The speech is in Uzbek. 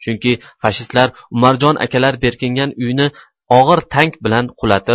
chunki fashistlar umarjon akalar bekingan uyni og'ir tank bilan qulatib